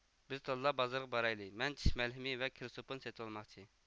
بىز تاللا بازىرىغا بارايلى مەن چىش مەلھىمى ۋە كىر سوپۇن سېتىۋالماقچى